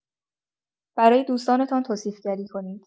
برای دوستانتان توصیف‌گری کنید.